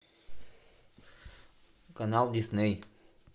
канал дисней